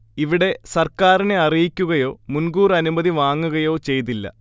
ഇവിടെ സർക്കാരിനെ അറിയിക്കുകയോ മുൻകൂർ അനുമതി വാങ്ങുകയോ ചെയ്തില്ല